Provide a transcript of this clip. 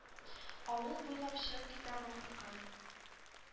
Авыл буйлап чыгып китә бахыркай.